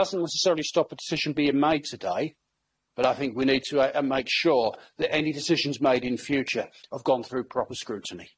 That doesn't necessarily stop a decision being made today, but I think we need to make sure that any decisions made in future have gone through proper scrutiny.